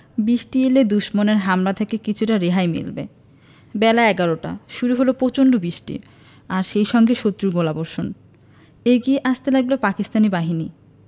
বৃষ্টি এলে দুশমনের হামলা থেকে কিছুটা রেহাই মিলবে বেলা এগারোটা শুরু হলো প্রচণ্ড বৃষ্টি আর সেই সঙ্গে শত্রুর গোলাবর্ষণ এগিয়ে আসতে লাগল পাকিস্তানি বাহিনী